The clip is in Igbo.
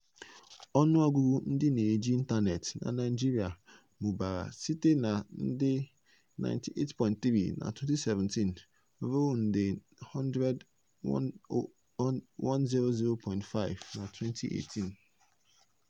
Ọnụọgụgụ ndị na-eji ịntaneetị na Naịjirịa mụbara site na nde 98.3 na 2017 ruo nde 100.5 na 2018.